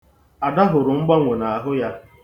Ada hụrụ mgbanwo n'ahụ ya.